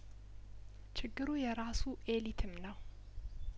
ችግሩ የራሱ ኤሊትም ነው